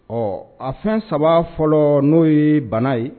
Ɔ a fɛn saba fɔlɔ n'o ye bana ye